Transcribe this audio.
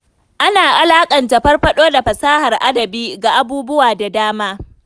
Ana alaƙanta farfaɗo da fasahar adabi ga abubuwa da dama.